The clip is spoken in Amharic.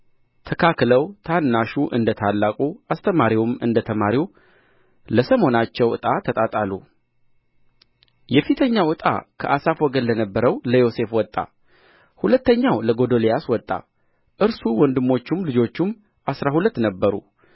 ተካክለው ታናሹ እንደ ታላቁ አስተማሪውም እንደ ተማሪው ለሰሞናቸው ዕጣ ተጣጣሉ የፊተኛው ዕጣ ከአሳፍ ወገን ለነበረው ለዮሴፍ ወጣ ሁለተኛው ለጎዶልያስ ወጣ እርሱ ወንድሞቹም ልጆቹም አሥራ ሁለት ነበሩ